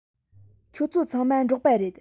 ཁྱོད ཚོ ཚང མ འབྲོག པ རེད